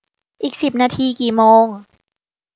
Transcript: อีกสิบนาทีกี่โมง